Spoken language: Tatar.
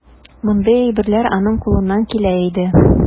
Мондый әйберләр аның кулыннан килә иде.